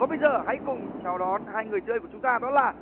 bây giờ hãy cùng chào đón hai người chơi của chúng ta đó là